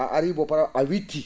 a ari bo para* a witti